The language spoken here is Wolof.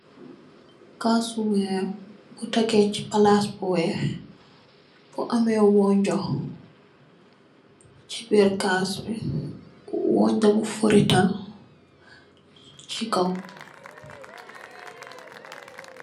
Cassi verr bu tege si palas bu wey ame wonjo.si birr cas bi mu ngi am wonjo furetal si kaw.